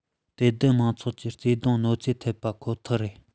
དད ལྡན མང ཚོགས ཀྱི བརྩེ དུང གནོད འཚེ ཐེབས པ ཁོ ཐག རེད